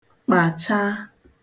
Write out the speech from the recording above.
kpàchàa